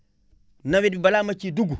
nawet bi balaa ma ciy dugg